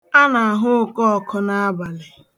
A na-ahụ okọọkụ n'abalị.